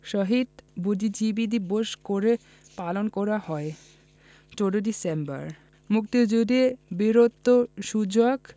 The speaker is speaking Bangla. শহীদ বুদ্ধিজীবী দিবস কবে পালন করা হয় ১৪ ডিসেম্বর মুক্তিযুদ্ধে বীরত্বসূচক